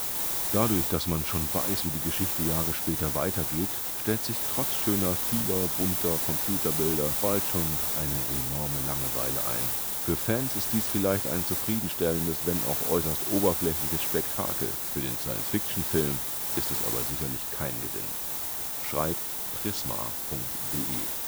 dadurch, dass man schon weiss, wie die Geschichte Jahre später weitergeht, stellt sich trotz schöner vieler bunter Computerbilder bald schon eine enorme Langeweile ein. […] für Fans ist dies vielleicht ein zufriedenstellendes, wenn auch äußerst oberflächliches Spektakel, für den Sciencefiction-Film ist es aber sicherlich kein Gewinn. “– Prisma.de